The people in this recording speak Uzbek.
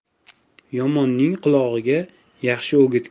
yomonning qulog'iga yaxshi o'git